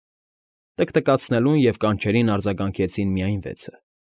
Տկտկացնելուն և կանչերին արձագանքեցին միայն վեցը։